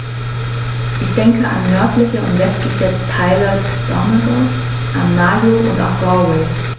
Ich denke an nördliche und westliche Teile Donegals, an Mayo, und auch Galway.